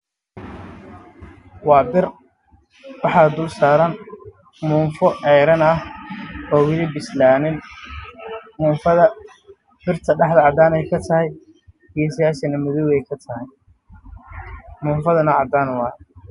Waa bir waxaa dul saran muufo cadaan ah aan wali bislaan